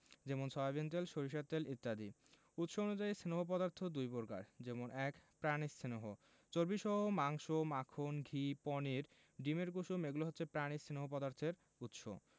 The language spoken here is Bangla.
যেমন সয়াবিন তেল সরিষার তেল ইত্যাদি উৎস অনুযায়ী স্নেহ পদার্থ দুই প্রকার যেমন ১. প্রাণিজ স্নেহ চর্বিসহ মাংস মাখন ঘি পনির ডিমের কুসুম এগুলো হচ্ছে প্রাণিজ স্নেহ পদার্থের উৎস